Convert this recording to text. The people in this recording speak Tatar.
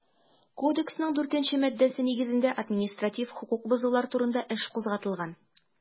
Кодексның 4 нче маддәсе нигезендә административ хокук бозулар турында эш кузгатылган.